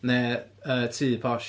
Neu yy tŷ posh.